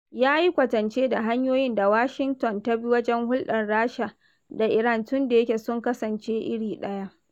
Yayi kwatance da hanyoyin da Washington ta bi wajen hulɗan Rasha da Iran, tun da yake sun kasance iri ɗaya.